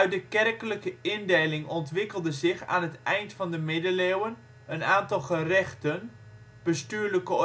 de kerkelijke indeling ontwikkelde zich aan het eind van de Middeleeuwen een aantal gerechten (bestuurlijke organisaties